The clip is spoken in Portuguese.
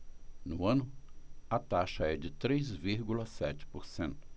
no ano a taxa é de três vírgula sete por cento